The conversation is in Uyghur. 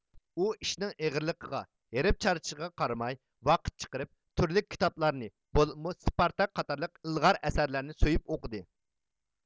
ئۇ ئىشنىڭ ئېغىرلىقىغا ھېرىپ چارچىشىغا قارىماي ۋاقىت چىقىرىپ تۈرلۈك كىتابلارنى بولۇپمۇ سپارتاك قاتارلىق ئىلغار ئەسەرلەرنى سۆيۈپ ئوقۇدى